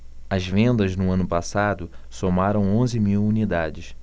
as vendas no ano passado somaram onze mil unidades